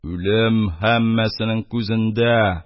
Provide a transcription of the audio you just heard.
Үлем һәммәсенең күзендә